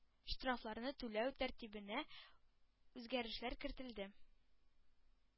Штрафларны түләү тәртибенә үзгәрешләр кертелде.